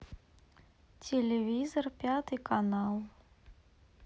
телевизор пятый канал